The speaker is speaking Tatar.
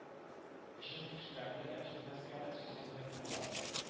Өчен кешеләрне рәнҗетмәскә, сүземне уйлап